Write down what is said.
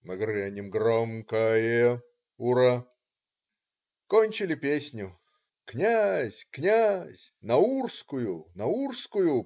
Мы грянем громкое "ура!" Кончили песню. "Князь! Князь! Наурскую! Наурскую!